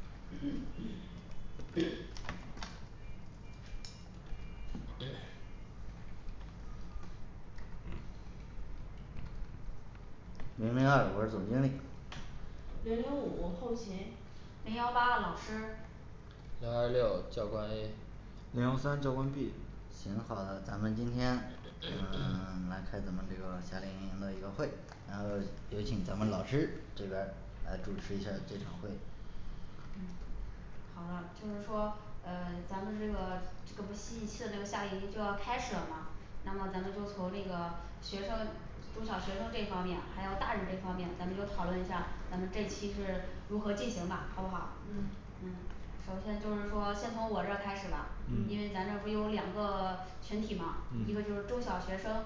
零零二我是总经理零零五后勤零幺八老师零二六教官A 零幺三教官B 行，好的，咱们今天嗯 来开咱们这个夏令营的一个会，然后有请咱们老师这边儿来主持一下儿这场会嗯好的，就是说嗯 咱们这个这个不新一期的那个夏令营就要开始了嘛那么咱们就从那个，学生中小学生这方面还有大人这方面，咱们就讨论一下咱们这一期是如何进行的，好不好嗯嗯首先就是说先从我这儿开始吧，因为咱这嗯儿不有两个 群体嘛一个就是嗯中小学生